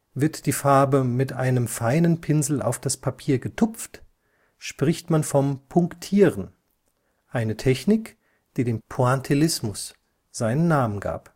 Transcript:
Wird die Farbe mit einem feinen Pinsel auf das Papier getupft, spricht man vom Punktieren, eine Technik, die dem Pointillismus seinen Namen gab